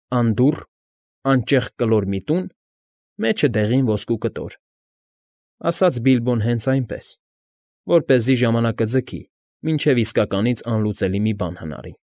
Անդուռ, անճեղք կլոր մի տուն, Մեջը՝ դեղին ոսկու կտոր,֊ ասաց Բիլբոն հենց այնպես, որպեսզի ժամանակը ձգի, մինչև իսկականից անլուծելի մի բան հնարի։